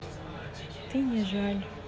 ты не жаль